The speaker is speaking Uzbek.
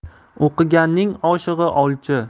o'qiganning oshig'i olchi